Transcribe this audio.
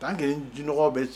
Tan kɛ jinɛɔgɔ bɛ